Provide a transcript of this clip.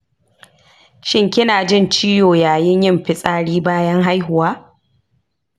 shin kina jin ciwo yayin yin fitsari bayan haihuwa?